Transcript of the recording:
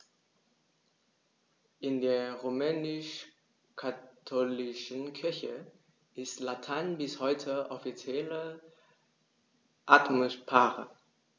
In der römisch-katholischen Kirche ist Latein bis heute offizielle Amtssprache.